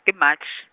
ke Matšhe.